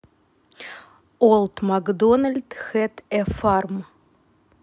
олд макдональд хэд э фарм